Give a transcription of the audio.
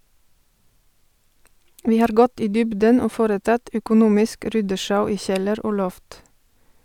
- Vi har gått i dybden og foretatt økonomisk ryddesjau i kjeller og loft.